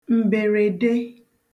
m̀bèrède